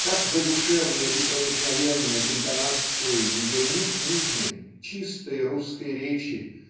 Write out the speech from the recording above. так задушевны и проникновенны интонации ее некнижной чистой русской речи